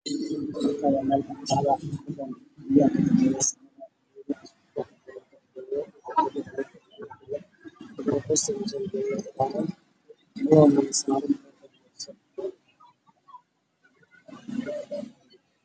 Waa meel banaan waxaa ii muuqda guri dabaq